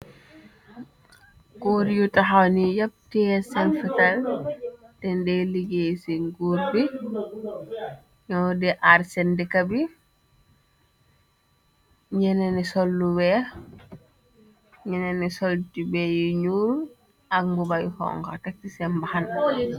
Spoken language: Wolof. Cóor yu taxaw ni yappteer senfital, te ndey liggéey ci nguur bi, ñoo d ar sen dika bi, wñene ni soltubee yu ñuul, ak ngubay xonga takci sen baxan.